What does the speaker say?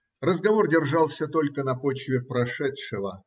Разговор держался только на почве прошедшего